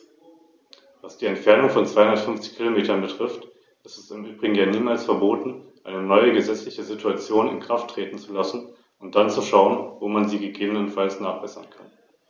Angesichts der jüngsten Naturkatastrophen möchte ich doch noch auf die Verwendung der Strukturfondsmittel eingehen.